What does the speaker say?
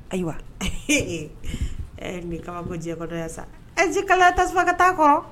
Ayiwa nin kaba bɔ jɛkɔrɔya sa ɛ ji kalaya ta tasuma ka taaa kɔrɔ